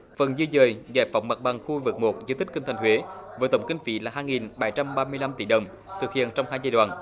phần di dời giải phóng mặt bằng khu vực một di tích kinh thành huế với tổng kinh phí là hai nghìn bảy trăm ba mươi lăm tỷ đồng thực hiện trong hai giai đoạn